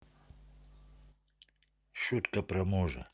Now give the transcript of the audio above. шутка про мужа